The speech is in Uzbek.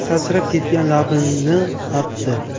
sachrab ketgan labini artdi